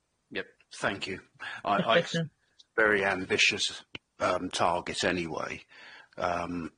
Yep. Thank you. I I very ambitious erm target anyway, erm.